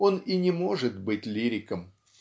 он и не может быть лириком.